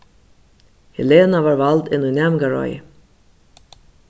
helena varð vald inn í næmingaráðið